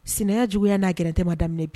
Sɛnɛ juguyaya n'a gɛlɛnɛrɛtɛ ma daminɛ bi